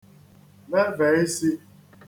veve īsī